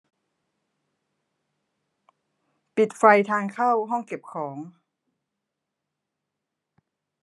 ปิดไฟทางเข้าห้องเก็บของ